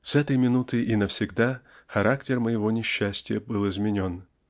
С этой минуты и навсегда характер моего несчастия был изменен